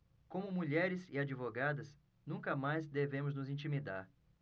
como mulheres e advogadas nunca mais devemos nos intimidar